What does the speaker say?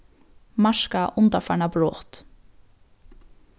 marka undanfarna brot